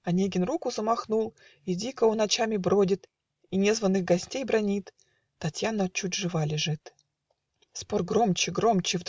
Онегин руку замахнул, И дико он очами бродит, И незваных гостей бранит Татьяна чуть жива лежит. Спор громче, громче